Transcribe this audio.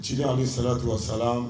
Ciden alehi salatu wa salamu